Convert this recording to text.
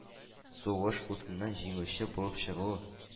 Сугыш утыннан җиңүче булып чыгу.